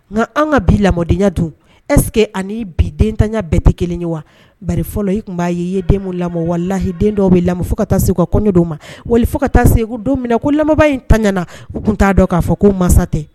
Nka an ka bi lamɔdenyaya don esseke ani bi dentanya bɛɛ tɛ kelen ye wa ba i tun b'a ye i ye den lamɔ walahi den dɔw bɛ lamɔ fo ka taa segu ka kɔnɛ dɔw ma wali fo ka taa segu don minɛ ko lamɔ in taɲaana u tun t'a dɔn k'a fɔ ko mansa tɛ